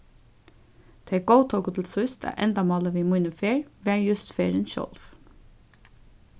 tey góðtóku til síðst at endamálið við míni ferð var júst ferðin sjálv